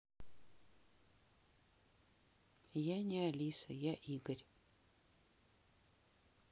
я не алиса я игорь